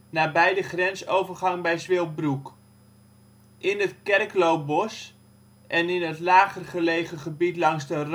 nabij de grensovergang bij Zwilbroek. In het Kerkloobos en in het lager gelegen gebied langs de